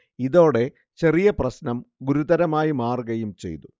ഇതോടെ ചെറിയ പ്രശ്നം ഗുരുതരമായി മാറുകയും ചെയ്തു